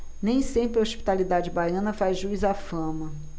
nem sempre a hospitalidade baiana faz jus à fama